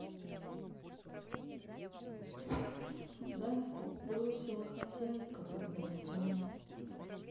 зайку бросила хозяйка под дождем